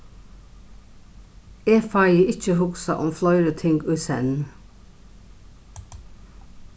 eg fái ikki hugsað um fleiri ting í senn